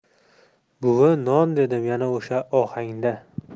buvi non dedim yana o'sha ohangda